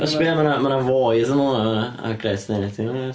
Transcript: Sbïa ma' 'na ma' 'na foi wrth ymyl hwnna yn fan 'na, a great dane i chdi.